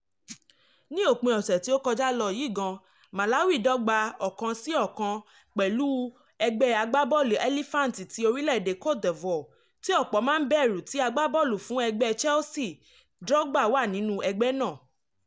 Ní òpin ọ̀sẹ̀ tí ó kọjá lọ yìí gan, Malawi dọ́gba 1-1 pẹ̀lú ẹgbẹ́ agbábọ́ọ̀lù Elephants ti orílẹ̀-èdè Cote d'Ivoire tí ọ̀pọ̀ máa ń bẹ̀rù tí agbábọ́ọ̀lù fún ẹgbẹ́ Chelsea Didier Drogba wà nínú ẹgbẹ́ náà.